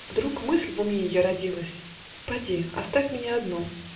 Вдруг мысль в уме ее родилась. "Поди, оставь меня одну.